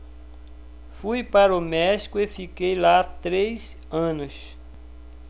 fui para o méxico e fiquei lá três anos